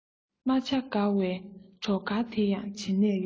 རྨ བྱ དགའ བའི བྲོ གར དེ ཡང ཅི ནས འོང